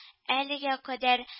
Әлегә кадәр